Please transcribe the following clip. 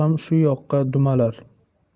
ham shu yoqqa dumalar